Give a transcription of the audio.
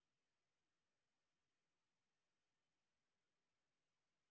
маленький детский букет из цветов